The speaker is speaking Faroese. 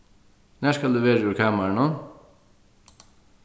nær skal eg vera úr kamarinum